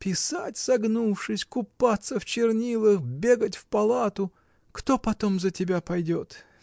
Писать, согнувшись, купаться в чернилах, бегать в палату: кто потом за тебя пойдет?